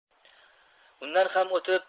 undan ham o'tib